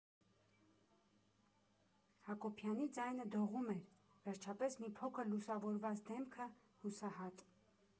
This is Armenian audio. Հակոբյանի ձայնը դողում էր, վերջապես մի փոքր լուսավորված դեմքը՝ հուսահատ։